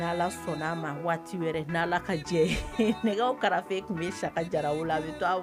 Sɔnna jɛ nɛgɛ tun bɛ jara